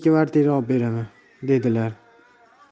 kvartira olib beraman dedilar